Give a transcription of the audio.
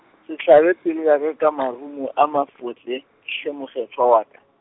se hlabe pelo ya ka ka marumo a mafotle, hle mokgethwa wa ka.